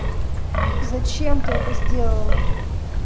зачем ты это сделала